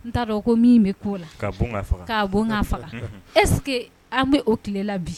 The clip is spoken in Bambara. N'a ko min bɛ la'a e an bɛ o tile la bi